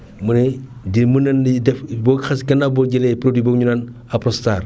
mu ne di mën nañ di def boo xas gànnaaw boo jëlee produit boobu ñu naan Apronstar